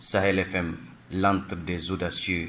Sahel fm, l'entre des audacieux